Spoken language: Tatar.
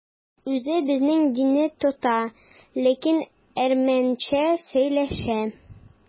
Үзе безнең динне тота, ләкин әрмәнчә сөйләшә.